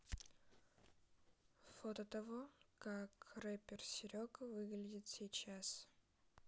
фото того как рэпер серега выглядит сейчас